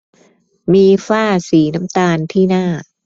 มีฝ้าสีน้ำตาลที่หน้า